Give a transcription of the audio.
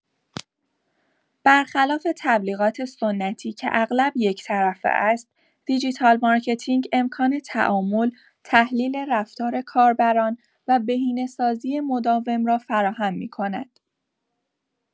برخلاف تبلیغات سنتی که اغلب یک‌طرفه است، دیجیتال مارکتینگ امکان تعامل، تحلیل رفتار کاربران و بهینه‌سازی مداوم را فراهم می‌کند.